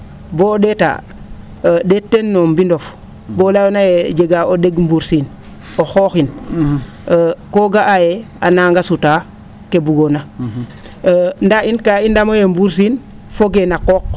boo o ?eetaa ?eeteen no mbindof bo layoona yee jegee a ?eg mbursiin o xooxin ko ga'aa yee a naanga sutaa kee bugoona ndaa in kaa ndamaa yee mbursiin fogee na qooq